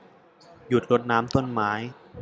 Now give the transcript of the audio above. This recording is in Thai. หยุดรดน้ำต้นไม้